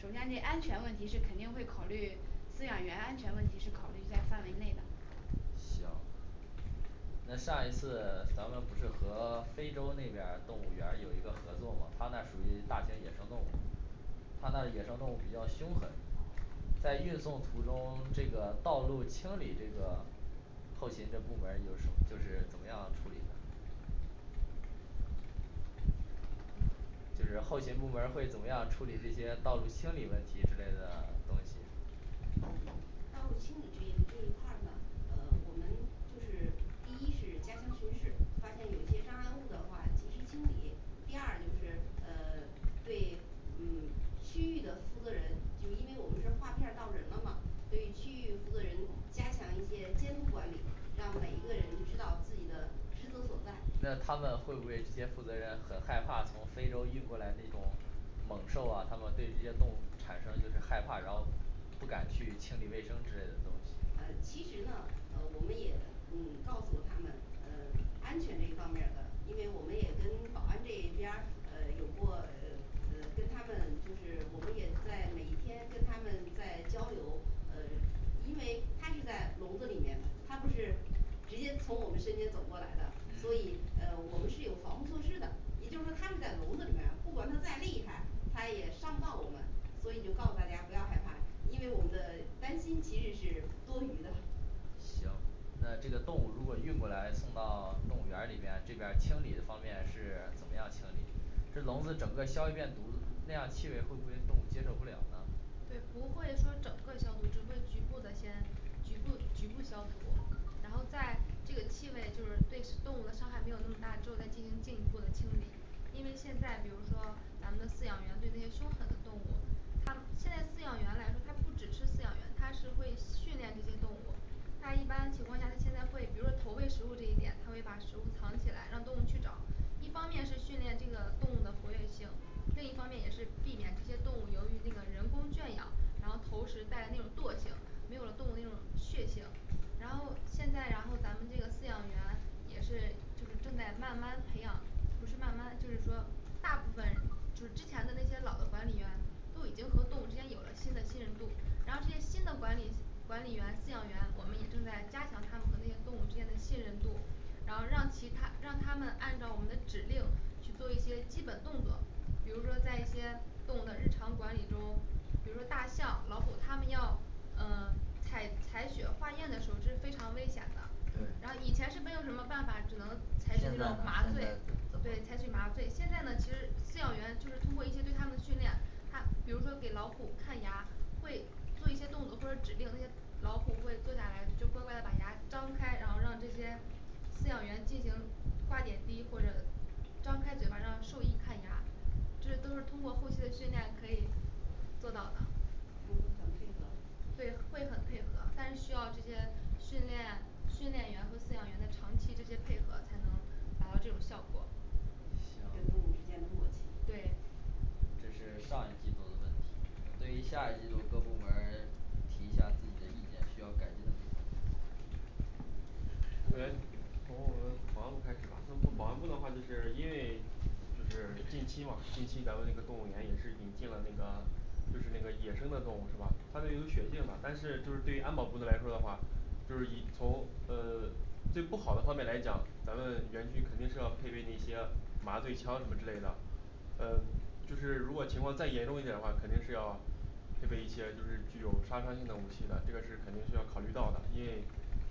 首先这安全问题是肯定会考虑，饲养员安全问题是考虑在范围内的行，那上一次咱们不是和非洲那边儿动物园儿有一个合作嘛，他那儿属于大型野生动物他那儿野生动物比较凶狠，在运送途中这个道路清理这个，后勤这部门儿就是就是怎么样处理嗯 就是后勤部门儿会怎么样处理这些道路清理问题之类的。嗯道路清理这一这一块儿呢，呃我们就是第一是加强巡视，发现有一些障碍物的话及时清理。第二就是呃 对嗯区域的负责人，就因为我们是划片儿到人了嘛对于区域负责人加强一些监督管理，让每一个人知道自己的职责所在那他们会不会这些负责人，很害怕从非洲运过来那种猛兽啊，他们对这些动物产生的就是害怕，然后不敢去清理卫生之类的东西呃其实呢呃我们也嗯告诉了他们呃安全这一方面儿的，因为我们也跟保安这一边儿呃有过 呃跟他们就是我们也在每一天跟他们在交流呃因为它是在笼子里面的，它不是直接从我们身边走过来的，嗯所以呃我们是有防护措施的也就是说它是在笼子里面儿，不管它再厉害，它也伤不到我们所以就告诉大家不要害怕，因为我们的担心其实是多余的。行，那这个动物如果运过来送到动物园儿里面，这边儿清理的方面是怎么样清理？这笼子整个消一遍毒，那样气味会不会动物接受不了呢？对，不会说整个消毒只会局部的先局部局部消毒然后在这个气味就是对动物的伤害没有那么大之后再进行进一步的清理。因为现在比如说咱们的饲养员对那些凶狠的动物他现在饲养员来说，他不只是饲养员，他是会训练这些动物他一般情况下他现在会比如说投喂食物这一点，他会把食物藏起来，让动物去找一方面是训练这个动物的活跃性，另一方面也是避免这些动物由于那个人工圈养，然后投食带来那种惰性，没有了动物那种血性。然后现在然后咱们这个饲养员也是就是正在慢慢培养不是慢慢就是说大部分就是之前的那些老的管理员都已经和动物之间有了新的信任度然后这些新的管理管理员饲养员，我们也正在加强他们和那些动物之间的信任度然后让其他让他们按照我们的指令去做一些基本动作，比如说在一些动物的日常管理中比如说大象老虎他们要嗯采采血化验的时候是非常危险的对然后以前是没有什么办法，只能现在呢现在是什么采取这种麻醉，对采取麻醉，现在呢其实饲养员就是通过一些对它们的训练，他比如说给老虎看牙会做一些动作，或者指令那些老虎会坐下来就乖乖的把牙张开，然后让这些饲养员进行挂点滴或者张开嘴巴让兽医看牙这都是通过后期的训练可以做到的。它们都很配合对，会很配合，但是需要这些训练训练员和饲养员的长期这些配合才能达到这种效果。跟动物之间的默契对这是上一季度的问题，对于下一季度各部门儿提一下自己的意见，需要改动。首先嗯从我们保安部开始吧，从从保安部的话就是因为就是近期嘛近期咱们那个动物园也是引进了那个就是那个野生的动物是吧？它们有血性嘛，但是就是对于安保部门来说的话，就是以从呃 最不好的方面来讲，咱们园区肯定是要配备那些麻醉枪什么之类的呃就是如果情况再严重一点的话，肯定是要配备一些就是具有杀伤性的武器的，这个是肯定需要考虑到的，因为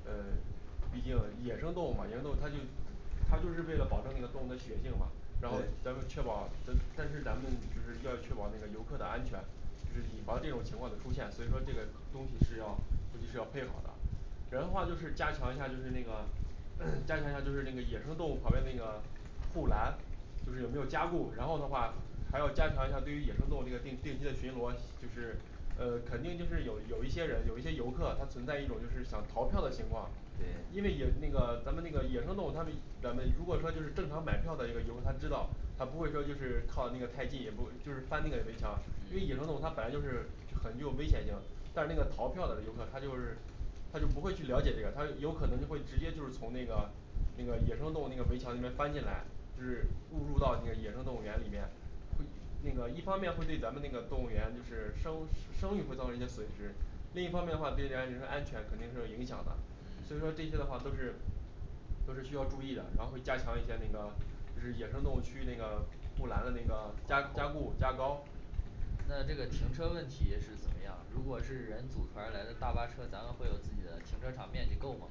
呃毕竟野生动物嘛野生动物它就它就是为了保证那个动物的血性嘛然后对咱们确保，咱但是咱们就是要确保那个游客的安全就是以防这种情况的出现，所以说这个东西是要估计是要配好的。人的话就是加强一下儿就是那个， 加强一下就是那个野生动物旁边那个护栏就是有没有加固，然后的话还要加强一下对于野生动物这个定定期的巡逻就是呃肯定就是有有一些人有一些游客他存在一种就是想逃票的情况因为野那个咱们那个野生动物他们咱们如果说就是正常买票的那个游客他知道她不会说就是靠那个太近，也不就是翻那个围墙，因为野生动物它本来就是很具有危险性但是那个逃票的游客他就是他就不会去了解这个，他有可能就会直接就是从那个那个野生动物那个围墙那边翻进来，就是误入到那个野生动物园里面会那个一方面会对咱们那个动物园就是声声誉会造成一些损失另一方面的话对于人家人身安全肯定是有影响的。所以说这些的话都是都是需要注意的，然后会加强一些那个就是野生动物区那个护栏的那个加加固加高。那这个停车问题是怎么样？如果是人组团儿来的大巴车，咱们会有自己的停车场面积够吗？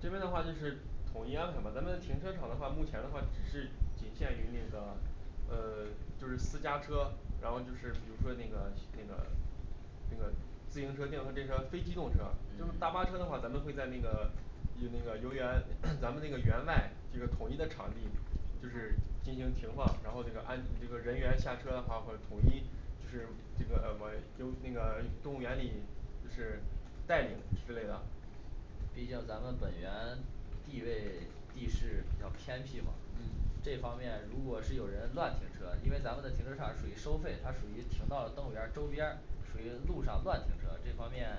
这边的话就是统一安排吧咱们停车场的话，目前的话只是仅限于那个呃 就是私家车，然后就是比如说那个那个那个自行车电动车这些非机动车就是大巴车的话，咱们会在那个有那个游园， 咱们那个园外这个统一的场地就是停放进行停放，然后这个安这个人员下车的话或者统一就是这个玩有那个动物园里就是代理之类的。毕竟咱们本园地位地势较偏僻嘛嗯这方面如果是有人乱停车，因为咱们的停车场属于收费，他属于停到了动物园儿周边儿属于路上乱停车这方面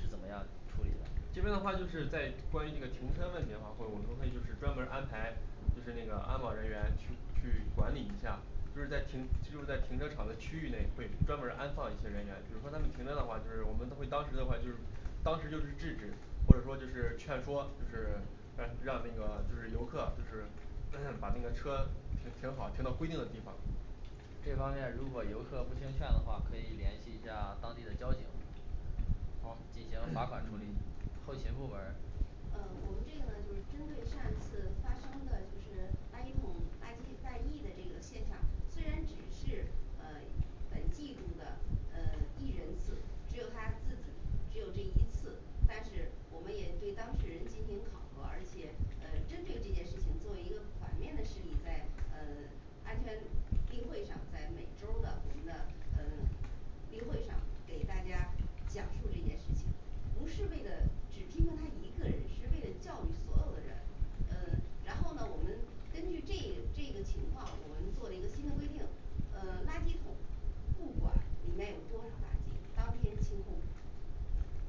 是怎么样处理的？这边的话就是在关于这个停车问题的话，会我们会就是专门儿安排就是那个安保人员去去管理一下就是在停就是在停车场的区域内会专门儿安放一些人员，比如说他们停车的话，就是我们都会当时的话就是当时就是制止或者说就是劝说就是让让那个就是游客就是 把那个车停停好，停到规定的地方。这方面如果游客不听劝的话，可以联系一下当地的交警进好行罚款处理。后勤部门儿呃我们这个呢就是针对上一次发生的就是垃圾桶垃圾外溢的这个现象虽然只是呃本季度的呃一人次，只有他自己只有这一次，但是我们也对当事人进行考核，而且呃针对这件事情作为一个反面的事例，再嗯 安全例会上，在每周儿的我们的嗯例会上给大家讲述这件事情不是为了只批评他一个人，是为了教育所有的人。呃然后呢我们根据这这个情况，我们做了一个新的规定呃垃圾桶不管里面有多少垃圾，当天清空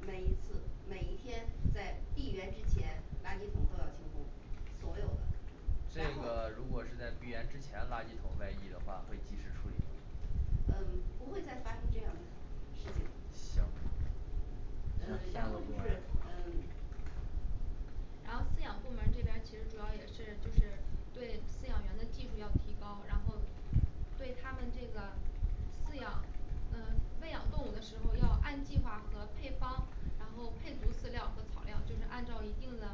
每一次每一天在闭园之前垃圾桶都要清空，所有的这然个后如果是在闭园之前垃圾桶外溢的话会及时处理嗯不会再发生这样的事情行那嗯其他然的后部就门儿是嗯然后饲养部门这边儿其实主要也是就是对饲养员的技术要提高，然后对他们这个饲养嗯喂养动物的时候要按计划和配方然后配足饲料和草料，就是按照一定的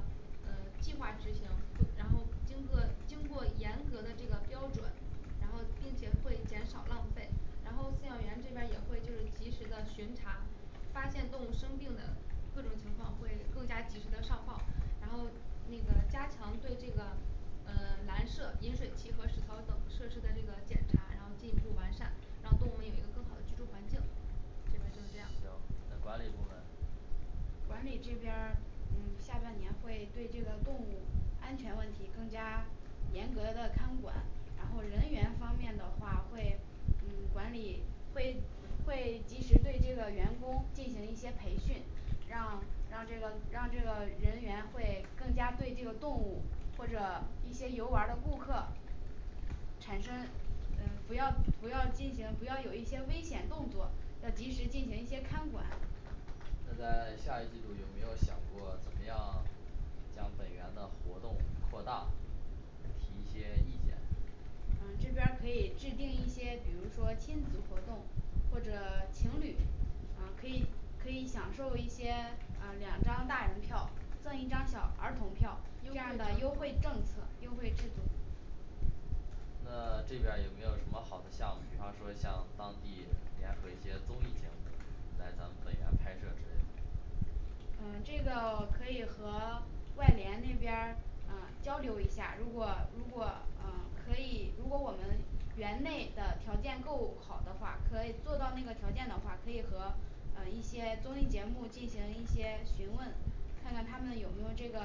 呃计划执行，不 然后经个经过严格的这个标准，然后并且会减少浪费然后饲养员这边儿也会就是及时的巡查发现动物生病的各种情况会更加及时的上报，然后那个加强对这个嗯栏舍饮水器和食槽等设施的那个检查，然后进一步完善，让动物们有一个更好的居住环境。这个就这行样。那管理部门管理这边儿，嗯下半年会对这个动物安全问题更加严格的看管，然后人员方面的话会嗯管理会会及时对这个员工进行一些培训，让让这个让这个人员会更加对这个动物或者一些游玩儿的顾客产生嗯不要不要进行不要有一些危险动作要及时进行一些看管。那在下一季度有没有想过怎么样将本园的活动扩大提一些意见。嗯这边儿可以制定一些比如说亲子活动或者情侣，啊可以可以享受一些啊两张大人票赠一张小儿童票这样的优惠政策。优惠政策那这边儿有没有什么好的项目，比方说像当地联合一些综艺节目，来咱们本园拍摄之类的。嗯这个我可以和外联那边儿嗯交流一下，如果如果啊可以如果我们园内的条件够好的话，可以做到那个条件的话，可以和呃一些综艺节目进行一些询问，看看他们有没有这个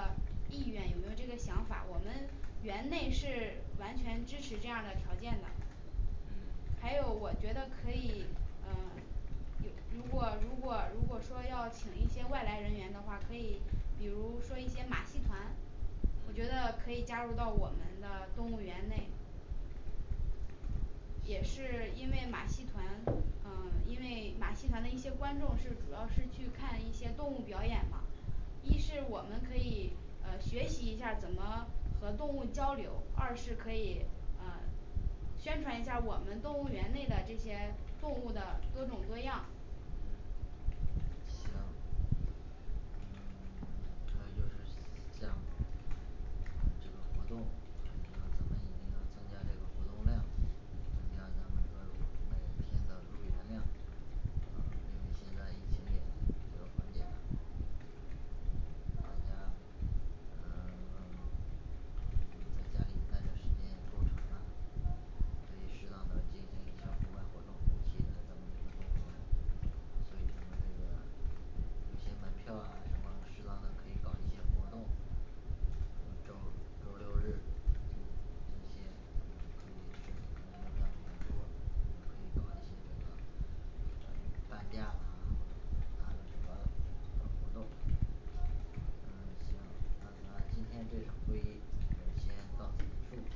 意愿，有没有这个想法，我们园内是完全支持这样的条件的。还有我觉得可以，嗯你如果如果如果说要请一些外来人员的话，可以比如说一些马戏团，我觉得可以加入到我们的动物园内。也是因为马戏团嗯因为马戏团的一些观众是主要是去看一些动物表演嘛一是我们可以呃学习一下怎么和动物交流，二是可以嗯宣传一下我们动物园内的这些动物的多种多样行，嗯 还有就是行这个活动，咱们一定要增加这个活动量，增加咱们这个每天的入园量在家里待的时间也够长了，可以适当的进行一项户外活动有些门票啊什么适当的可以搞一些活动，周周六日这这些咱们就可以是人流量比较多咱们可以搞一些这个嗯半价啦，或者打个折的活动嗯行，那咱今天这场会议先到此结束。